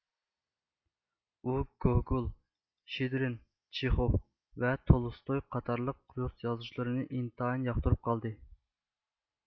ئۇ گوگول شېدرىن چېخوف ۋە تولستوي قاتارلىق رۇس يازغۇچىلىرىنى ئىنتايىن ياقتۇرۇپ قالدى